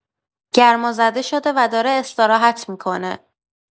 گرمازده شده و داره استراحت می‌کنه.